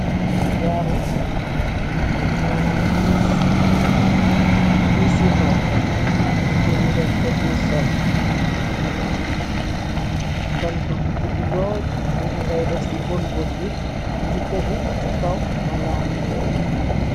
jaaru jigeen manam wiss wisi nopa jigeeni denj ko deh sol bantu bu gudu lool morm ngai def ci bon bon bi mungi tegu ci kaw malan bu weex